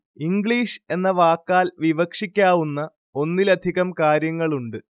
English എന്ന വാക്കാൽ വിവക്ഷിക്കാവുന്ന ഒന്നിലധികം കാര്യങ്ങളുണ്ട്